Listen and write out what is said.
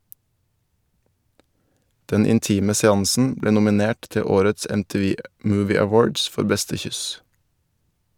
Den intime seansen ble nominert til årets MTV Movie Awards for beste kyss.